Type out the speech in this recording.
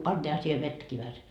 pantiinhan siihen vettäkin vähäsen